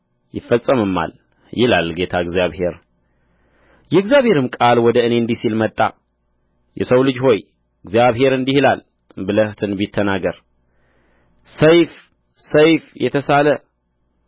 ይፈጸምማል ይላል ጌታ እግዚአብሔር የእግዚአብሔርም ቃል ወደ እኔ እንዲህ ሲል መጣ የሰው ልጅ ሆይ እግዚአብሔር እንዲህ ይላል ብለህ ትንቢት ተናገር ሰይፍ ሰይፍ የተሳለ